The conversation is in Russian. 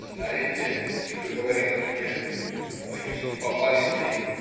"Знаете,- тихо говорит он мне,- боюсь, не попались ли.